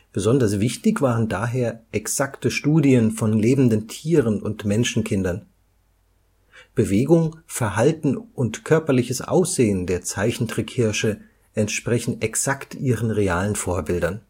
Besonders wichtig waren daher exakte Studien von lebenden Tieren und Menschenkindern. Bewegung, Verhalten und körperliches Aussehen der Zeichentrick-Hirsche entsprechen exakt ihren realen Vorbildern